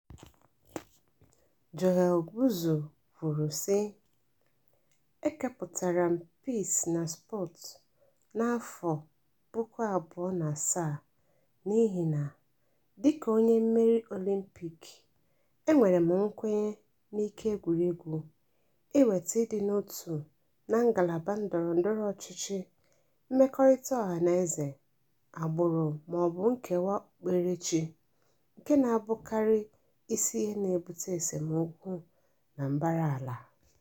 Joël Bouzou (JB): e keputara m Peace na Sport na 2007 n'ihi na, dị ka onye mmeri Olympic, e nwere m nkwenye n'ike egwuregwu iweta ịdị n'otu na ngalaba ndọrọndọrọ ọchịchị, mmekọrịta ọhanaeze, agbụrụ maọbụ nkewa okpukperechi, nke na-abụkarị isi ihe na-ebute esemokwu na mbara ala.